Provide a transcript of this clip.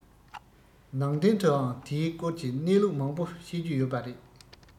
ནང བསྟན དུའང འདིའི སྐོར གྱི གནས ལུགས མང པོ བཤད རྒྱུ ཡོད པ རེད